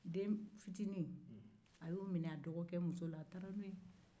den fitinin in a ye o minɛ a dɔgɔkɛ muso la a taara n'a ye